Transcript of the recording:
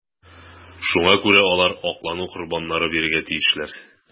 Шуңа күрә алар аклану корбаннары бирергә тиешләр.